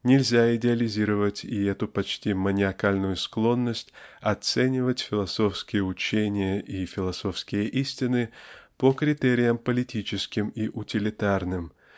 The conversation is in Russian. Нельзя идеализировать и эту почти маниакальную склонность оценивать философские учения и философские истины по критериям политическим и утилитарным